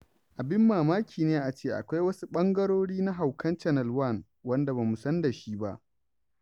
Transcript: Abin mamaki ne a ce akwai wasu ɓangarori na haukan Channel One wanda ba mu san da shi ba.